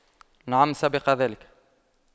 نعم سبق ذلك